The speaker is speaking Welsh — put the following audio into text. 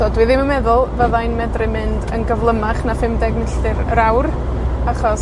Ao dwi ddim yn meddwl fyddai'n medru mynd yn gyflymach na phum deg milltir yr awr, achos